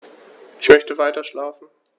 Ich möchte weiterschlafen.